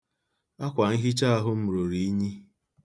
Akwanhichaahụ m ruru unyi.